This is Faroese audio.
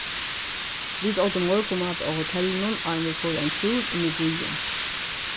vit ótu morgunmat á hotellinum áðrenn vit fóru ein túr inn í býin